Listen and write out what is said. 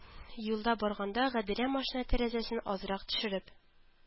Юлда барганда Гадилә машина тәрәзәсен азрак төшереп